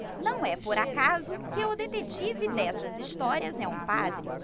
não é por acaso que o detetive dessas histórias é um padre